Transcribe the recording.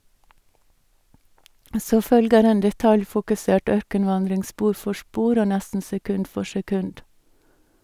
Så følger en detaljfokusert ørkenvandring spor for spor, og nesten sekund for sekund.